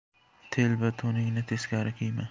telba to'ningni teskari kiyma